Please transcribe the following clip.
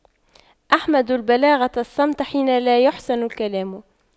أحمد البلاغة الصمت حين لا يَحْسُنُ الكلام